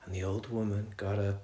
and the old woman got up